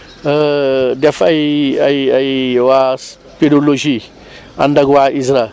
def ay ay ay ay waa spédologie ànd ak waa ISRA